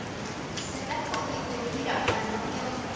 xem cách thổ nhĩ kỳ huy động vàng trong dân